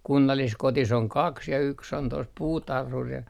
kunnalliskodissa on kaksi ja yksi on tuossa puutarhuri ja